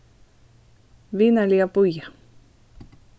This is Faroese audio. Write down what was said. vinarliga bíða